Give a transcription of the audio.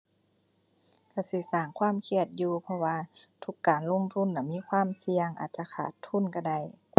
ก็สิสร้างความเครียดอยู่ เพราะว่าทุกการลงทุนน่ะมีความเสี่ยง อาจจะขาดทุนก็ได้